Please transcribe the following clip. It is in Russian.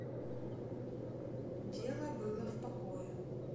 дело было в покое